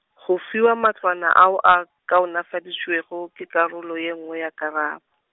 go fiwa matlwana ao a, kaonafaditšwego ke karolo ye nngwe ya karabo.